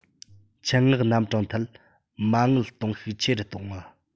ཆེད མངགས རྣམ གྲངས ཐད མ དངུལ གཏོང ཤུགས ཆེ རུ གཏོང བ